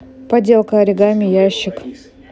поделка оригами ящик